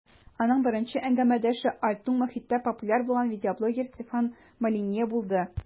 Аның беренче әңгәмәдәше "альт-уң" мохиттә популяр булган видеоблогер Стефан Молинье булды.